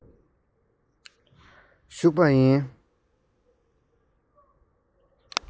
ཞུགས པ ཡིན